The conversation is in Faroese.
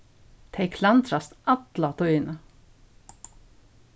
tey klandrast alla tíðina